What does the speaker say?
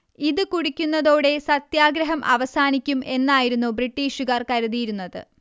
ഇതു കുടിക്കുന്നതോടെ സത്യാഗ്രഹം അവസാനിക്കും എന്നായിരുന്നു ബ്രിട്ടീഷുകാർ കരുതിയിരുന്നത്